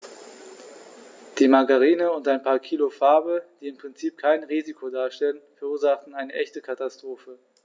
Die Margarine und ein paar Kilo Farbe, die im Prinzip kein Risiko darstellten, verursachten eine echte Katastrophe.